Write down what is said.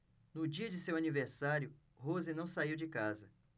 no dia de seu aniversário rose não saiu de casa